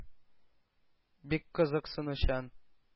Бик кызыксынучан,